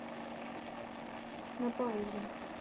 на паузу